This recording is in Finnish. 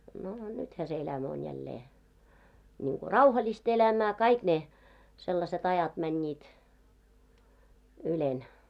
no nythän se elämä on jälleen niin kuin rauhallista elämää kaikki ne sellaiset ajat menivät ylen